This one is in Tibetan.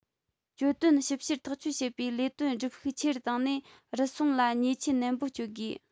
གྱོད དོན ཞིབ བཤེར ཐག གཅོད བྱེད པའི ལས དོན སྒྲུབ ཤུགས ཆེ རུ བཏང ནས རུལ སུངས ལ ཉེས ཆད ནན པོ གཅོད དགོས